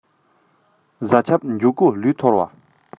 གཟའ ཁྱབ འཇུག སྐུ ལུས ཐོར བ